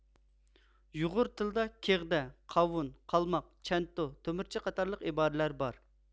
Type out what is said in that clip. يۇغۇر تىلىدا كېغدە قاۋۇن قالماق چەنتۇ تۆمۈرچى قاتارلىق ئىبارىلەر بار